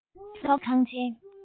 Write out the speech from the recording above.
ཐོག བརྩེགས ཁང ཆེན